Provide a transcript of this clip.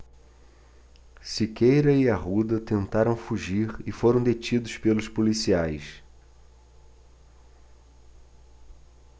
siqueira e arruda tentaram fugir e foram detidos pelos policiais